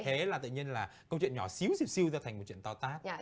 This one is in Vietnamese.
thế là tự nhiên là câu chuyện nhỏ xíu xìu xiu trở thành một chuyện to tác